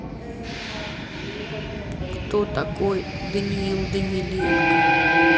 кто такой даниил даниленко